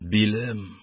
Билем,